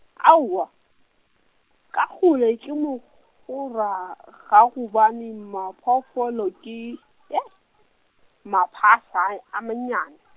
aowa, ka kgole ke mo gora, ga gobane maphoofolo ke , maphaaphaa, a mannyane.